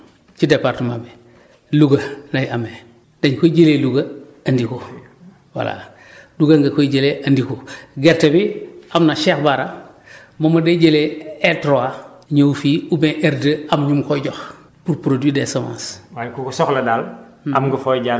non mais fii ñebe amul ci département bi Louga lay amee dañ ko jëlee Louga andi ko voilà Louga nga koy jëlee andi ko gerte bi am na Cheik Bara moom day jëlee R3 ñëw fii oubien R2 am ñu mu koy jox pour produire des semences